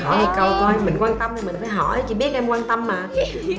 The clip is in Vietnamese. hỏi một câu coi mình quan tâm thì mình phải hỏi chị biết em quan tâm mà